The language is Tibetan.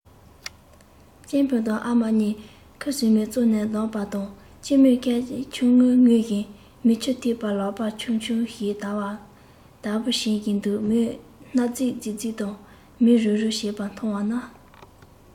གཅེན པོ དང ཨ མ གཉིས ཁུ སིམ མེར ཙོག ནས བསྡད པ དང གཅེན མོས སྐད ཆུང ངུས ངུ བཞིན མིག ཆུའི ཐིགས པ ལག པ ཆུང ཆུང གིས དལ བ དལ བུར འབྱིད བཞིན འདུག མོས སྣ རྫིག རྫིག དང མིག རུབ རུབ བྱེད པ མཐོང བ ན